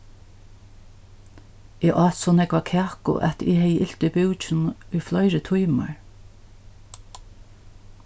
eg át so nógva kaku at eg hevði ilt í búkinum í fleiri tímar